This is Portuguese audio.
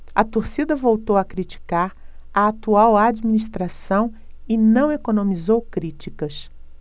a torcida voltou a criticar a atual administração e não economizou críticas